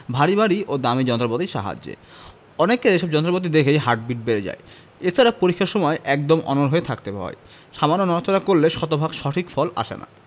ভারী ভারী ও দামি যন্ত্রপাতির সাহায্যে অনেকের এসব যন্ত্রপাতি দেখেই হার্টবিট বেড়ে যায় এছাড়া পরীক্ষার সময় একদম অনড় হয়ে থাকতে হয় সামান্য নড়াচড়া করলে শতভাগ সঠিক ফল আসে না